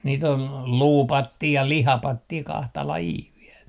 niitä on luupattia ja lihapattia kahta lajia vielä